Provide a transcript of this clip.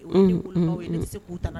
Ni bɛ se k'u ta